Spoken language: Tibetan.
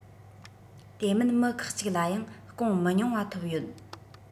དེ མིན མི ཁག གཅིག ལ ཡང སྐོང མི ཉུང བ ཐོབ ཡོད